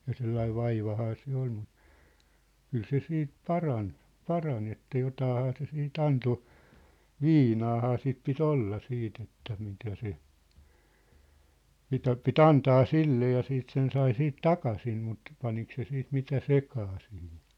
ja sellainen vaivahan se oli mutta kyllä se siitä parani parani että jotainhan se sitten antoi viinaahan sitten piti olla sitten että mitä se mitä piti antaa sille ja sitten sen sai siitä takaisin mutta paniko se sitten mitä sekaan siihen